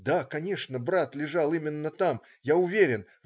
Да, конечно, брат лежал именно там. Я уверен.